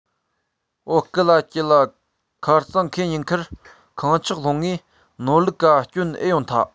འོ སྐིད ལ སྐྱིད ལ ཁ རྩང ཁེས ཉིན ཀར ཁངས ཆགས ལྷུང ངས ནོར ལུག ག སྐྱོན ཨེ ཡོང ཐལ